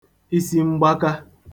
isimgbaka